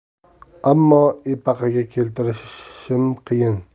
ammo epaqaga keltirishim qiyin